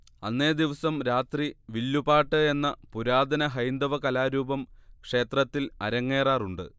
അന്നേദിവസം രാത്രി വില്ലുപാട്ട് എന്ന പുരാതന ഹൈന്ദവകലാരൂപം ക്ഷേത്രത്തിൽ അരങ്ങേറാറുണ്ട്